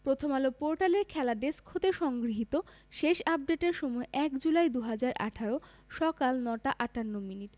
প্রথমআলো পোর্টালের খেলা ডেস্ক হতে সংগৃহীত শেষ আপডেটের সময় ১ জুলাই ২০১৮ সকাল ৯টা ৫৮মিনিট